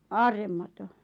aarremato